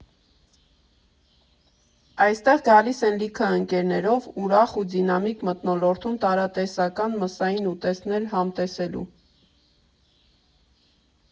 Այստեղ գալիս են լիքը ընկերներով՝ ուրախ ու դինամիկ մթնոլորտում տարատեսական մսային ուտեստներ համտեսելու։